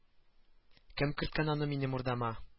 Кем керткән аны минем урдама